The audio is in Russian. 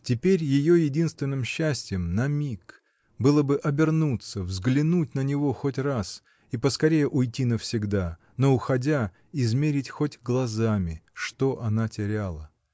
Теперь ее единственным счастьем на миг было бы — обернуться, взглянуть на него хоть раз и поскорее уйти навсегда, но, уходя, измерить хоть глазами, что она теряла.